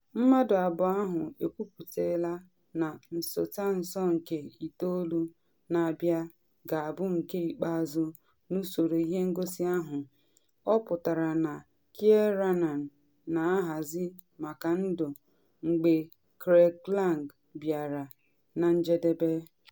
Mmadụ abụọ ahụ ekwuputela na nsotanso nke itoolu na abịa ga-abụ nke ikpeazụ n’usoro ihe ngosi ahụ, ọ pụtara na Kiernan na ahazi maka ndụ mgbe Craiglang bịara na njedebe.